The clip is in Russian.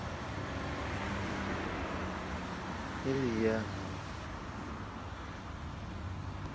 илья